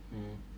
mm